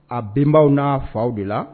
A bɛnenbaw n'a faw de la